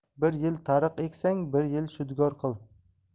bir yil tariq eksang bir yil shudgor qil